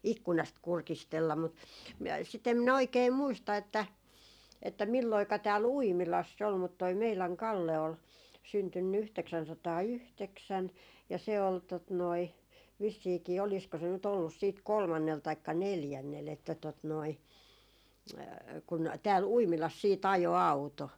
ikkunasta kurkistella mutta - sitä en minä oikein muista että että milloinka täällä Uimilassa oli mutta tuo meidän Kalle oli syntynyt yhdeksänsataayhdeksän ja se oli tuota noin vissiinkin olisiko se nyt ollut sitten kolmannella taikka neljännellä että tuota noin kun täällä Uimilassa sitten ajoi auto